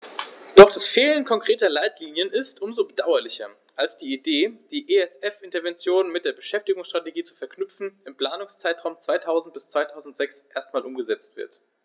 Doch das Fehlen konkreter Leitlinien ist um so bedauerlicher, als die Idee, die ESF-Interventionen mit der Beschäftigungsstrategie zu verknüpfen, im Planungszeitraum 2000-2006 erstmals umgesetzt wird.